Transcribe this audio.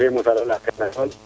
faley fe mosa lool a xena lool